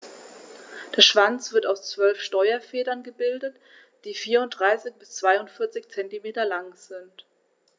Der Schwanz wird aus 12 Steuerfedern gebildet, die 34 bis 42 cm lang sind.